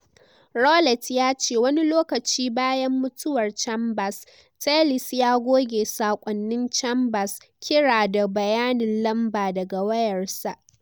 Rowlett ya ce wani lokaci bayan mutuwar Chambers, Tellis ya goge sakonin Chambers, kira da bayanin lamba daga wayarsa.